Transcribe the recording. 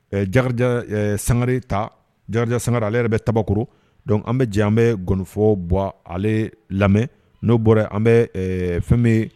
Ɛɛ Diakaridia Sangare Diakaridia Sangare an bɛ Diakaridia Sangare ta, Diakaridia ale yɛrɛ bɛ tabakɔrɔ donc an bɛ jɛ an bɛ gɔnifɔ Boua ale lamɛn n'o bɔra an bɛ fɛn bɛ,